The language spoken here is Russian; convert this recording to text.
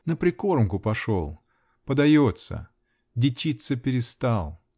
На прикормку пошел, подается, дичиться перестал!